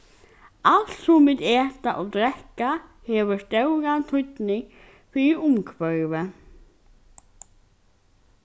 alt sum vit eta og drekka hevur stóran týdning fyri umhvørvið